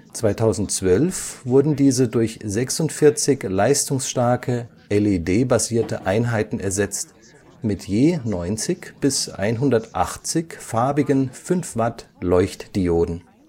2012 wurden diese durch 46 leistungsstarke LED-basierte Einheiten ersetzt, mit je 90 bis 180 farbigen 5 W Leuchtdioden